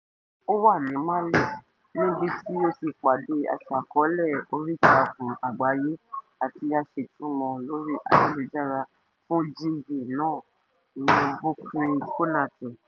Ó wà ní Mali níbi tí ó ti pàdé aṣàkọọ́lẹ̀ oríìtakùn àgbáyé àti aṣètumọ̀ lórí ayélujára fún GV náà, ìyẹn Boukary Konaté.